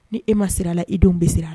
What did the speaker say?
Ni e ma sira a la e denw bɛ a la